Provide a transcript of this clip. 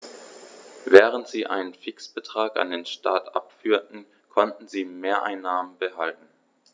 Während sie einen Fixbetrag an den Staat abführten, konnten sie Mehreinnahmen behalten.